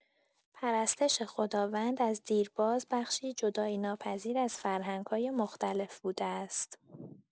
پرستش خداوند، از دیرباز بخشی جدایی‌ناپذیر از فرهنگ‌های مختلف بوده است.